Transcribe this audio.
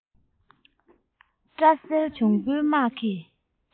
སྐྲ སེར འབྱུང བོའི དམག གིས